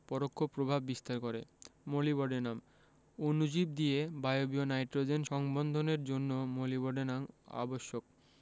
পরোক্ষ প্রভাব বিস্তার করে মোলিবডেনাম অণুজীব দিয়ে বায়বীয় নাইট্রোজেন সংবন্ধনের জন্য মোলিবডেনাম আবশ্যক